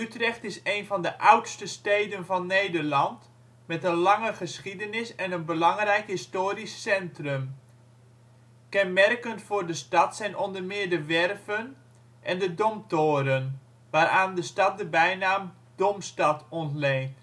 Utrecht is een van de oudste steden van Nederland met een lange geschiedenis en een belangrijk historisch centrum. Kenmerkend voor de stad zijn onder meer de werven en de Domtoren, waaraan de stad de bijnaam Domstad ontleent